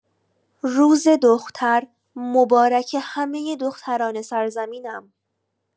روز دختر مبارک همه دختران سرزمینم!